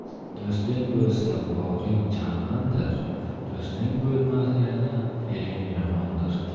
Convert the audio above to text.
do'sting bo'lsa bog'ing chamandir do'sting bo'lmagani fe'ling yomondir